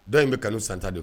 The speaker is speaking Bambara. Dɔ in bɛ kanu san ta de k